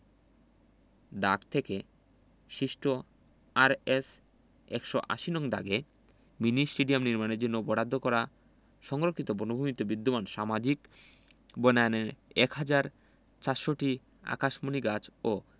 দাগ থেকে সৃষ্ট আরএস ১৮০ নং দাগে মিনি স্টেডিয়াম নির্মাণের জন্য বরাদ্দ করা সংরক্ষিত বনভূমিতে বিদ্যমান সামাজিক বনায়নের ১ হাজার ৪০০টি আকাশমণি গাছ ও